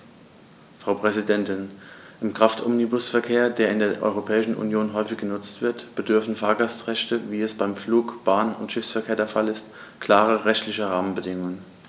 Frau Präsidentin, im Kraftomnibusverkehr, der in der Europäischen Union häufig genutzt wird, bedürfen Fahrgastrechte, wie es beim Flug-, Bahn- und Schiffsverkehr der Fall ist, klarer rechtlicher Rahmenbedingungen.